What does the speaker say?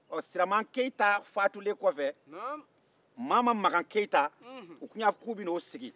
ɔ siraman keyita faatulen kɔfɛ mama magan keyita u tun y'a fɔ k'u bɛ na o sigi